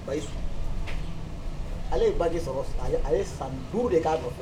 Ale ye ba di sɔrɔ ale san du de k'a